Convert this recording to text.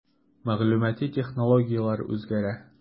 Мәгълүмати технологияләр үзгәрә.